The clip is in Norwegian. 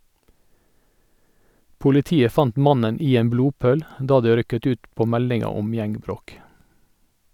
Politiet fant mannen i en blodpøl da de rykket ut på meldinga om gjeng-bråk.